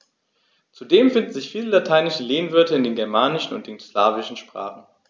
Zudem finden sich viele lateinische Lehnwörter in den germanischen und den slawischen Sprachen.